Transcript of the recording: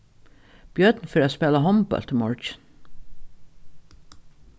bjørn fer at spæla hondbólt í morgin